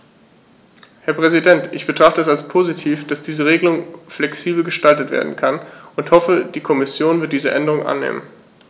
Herr Präsident, ich betrachte es als positiv, dass diese Regelung flexibel gestaltet werden kann und hoffe, die Kommission wird diese Änderung annehmen.